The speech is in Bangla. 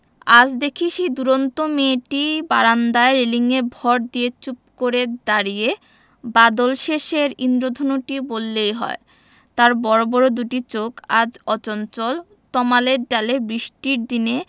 আজ দেখি সেই দূরন্ত মেয়েটি বারান্দায় রেলিঙে ভর দিয়ে চুপ করে দাঁড়িয়ে বাদলশেষের ঈন্দ্রধনুটি বললেই হয় তার বড় বড় দুটি চোখ আজ অচঞ্চল তমালের ডালে বৃষ্টির দিনে